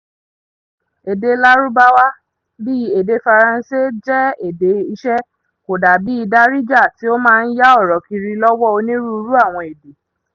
Èdè Lárúbáwá, bíi èdè Faransé, jẹ́ èdè iṣẹ́ kò dà bíi Darija tí ó máa ń yá ọ̀rọ̀ kiri lọ́wọ́ onírúurú àwọn èdè.